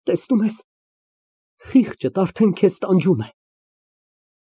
Տեսնո՞ւմ ես, խիղճդ արդեն տանջում է քեզ։